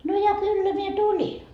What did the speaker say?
no ja kyllä minä tulin